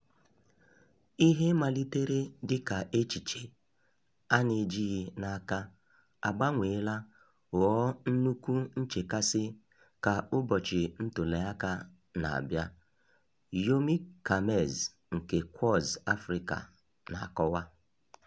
Ihe malitere dị ka echiche a na-ejighị n'aka agbanweela ghọọ nnukwu nchekasị ka ụbọchị ntụliaka na-abịa. Yomi Kamez nke Quartz Africa na-akọwa: